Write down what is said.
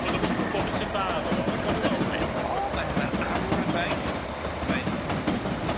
bod o'm yn gwbo beth sy'n dda iddo fo ond gawn ni weld. 'Di o ddim yn Lembo mae'n mae'n arwr ifainc mae'n